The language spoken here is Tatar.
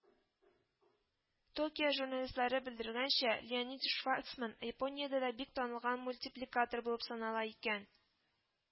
Токио журналистлары белдергәнчә, леонида шварцман япониядә дә бик танылган мультипликатор булып санала икән